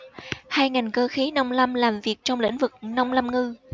hay ngành cơ khí nông lâm làm việc trong lĩnh vực nông lâm ngư